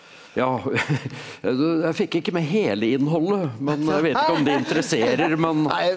ja du jeg fikk ikke med hele innholdet men jeg vet ikke om det interesserer men.